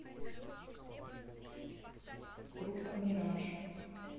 группа мираж